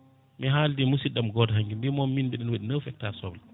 mi halde musidɗam goto hanki mbimomi min mbiɗani waɗi neuf hectares soble